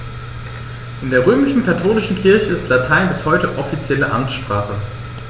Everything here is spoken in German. In der römisch-katholischen Kirche ist Latein bis heute offizielle Amtssprache.